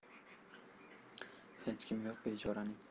hech kimi yo'q bechoraning